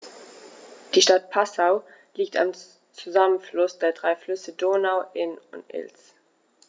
Die Stadt Passau liegt am Zusammenfluss der drei Flüsse Donau, Inn und Ilz.